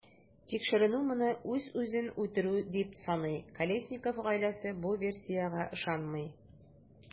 Тикшеренү моны үзен-үзе үтерү дип саный, Колесников гаиләсе бу версиягә ышанмый.